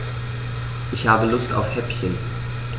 Ich habe Lust auf Häppchen.